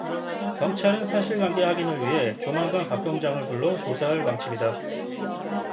경찰은 사실관계 확인을 위해 조만간 박 경장을 불러 조사할 방침이다